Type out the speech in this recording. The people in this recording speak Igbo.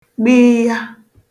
gbịịya